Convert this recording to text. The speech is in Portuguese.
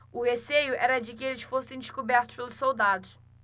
o receio era de que eles fossem descobertos pelos soldados